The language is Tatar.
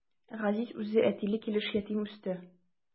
Газиз үзе әтиле килеш ятим үсте.